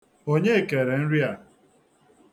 Onye kere nri a?